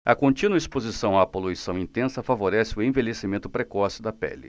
a contínua exposição à poluição intensa favorece o envelhecimento precoce da pele